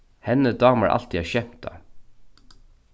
henni dámar altíð at skemta